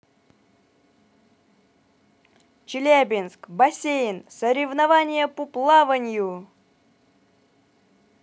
челябинск бассейн соревнования по плаванию